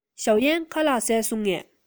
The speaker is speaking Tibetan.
ཞའོ གཡན ཁ ལག བཟས སོང ངས